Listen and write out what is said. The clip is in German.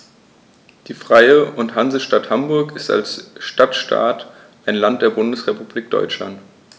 Die Freie und Hansestadt Hamburg ist als Stadtstaat ein Land der Bundesrepublik Deutschland.